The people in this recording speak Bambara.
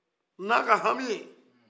ni a ka hami ye